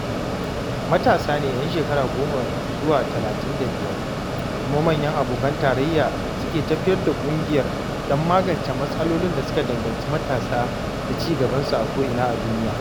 Matasa ne 'yan shekara goma zuwa talatin da biyar da kuma manya abokan tarayya suke tafiyar da ƙungiyar don magance mas'alolin da suka danganci matasa da ci-gabansu a koina a duniya.